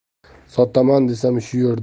sotaman desam shu